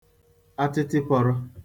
atịtịpọ̄rọ̄